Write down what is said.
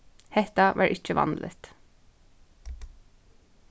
hetta var ikki vanligt